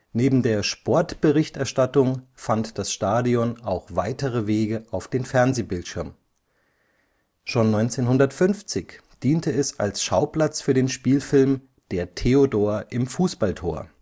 Neben der Sportberichterstattung fand das Stadion auch weitere Wege auf den Fernsehbildschirm. Schon 1950 diente es als Schauplatz für den Spielfilm Der Theodor im Fußballtor